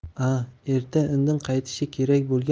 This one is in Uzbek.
a erta indin qaytishi kerak